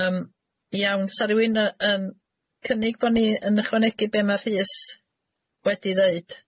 Yym iawn sa rywun yy yn cynnig bo' ni yn ychwanegu be' ma' Rhys wedi ddeud?